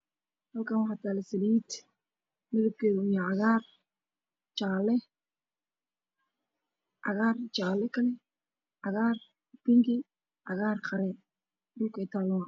Halkaan waxaa taalo saliid midabkiisu uu yahay caagar, jaale, cagaar iyo jaale kale, cagaar iyo bingi, cagaar iyo qare.